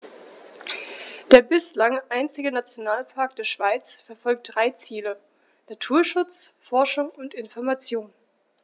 Der bislang einzige Nationalpark der Schweiz verfolgt drei Ziele: Naturschutz, Forschung und Information.